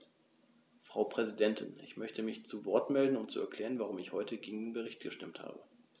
Frau Präsidentin, ich möchte mich zu Wort melden, um zu erklären, warum ich heute gegen den Bericht gestimmt habe.